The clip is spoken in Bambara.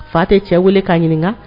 Fa te cɛ wele k'a ɲiniŋa